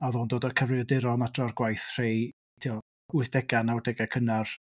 A oedd o'n dod â cyfrifiaduron adra o'r gwaith rai tibod wythdegau, nawdegau cynnar.